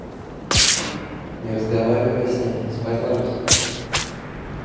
не разговаривай во сне спать ложись